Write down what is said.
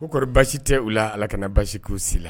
Ko kɔrɔ basi tɛ u la ala ka basi k'u si la